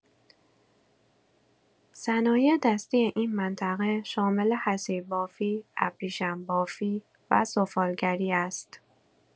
صنایع‌دستی این منطقه شامل حصیربافی، ابریشم‌بافی و سفالگری است.